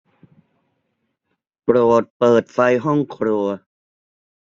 โปรดเปิดไฟห้องครัว